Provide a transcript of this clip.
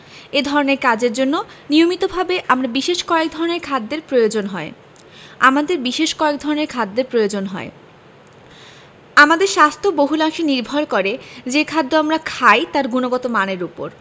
এ ধরনের কাজের জন্য নিয়মিতভাবে আমাদের বিশেষ কয়েক ধরনের খাদ্যের প্রয়োজন হয় আমাদের স্বাস্থ্য বহুলাংশে নির্ভর করে যে খাদ্য আমরা খাই তার গুণগত মানের ওপর